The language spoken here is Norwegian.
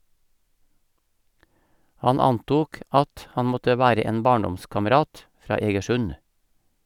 Han antok at han måtte være en barndomskamerat , fra Egersund.